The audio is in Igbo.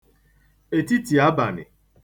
ètitìabànị̀